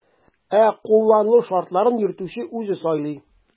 Ә кулланылу шартларын йөртүче үзе сайлый.